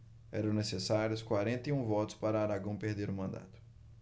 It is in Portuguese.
eram necessários quarenta e um votos para aragão perder o mandato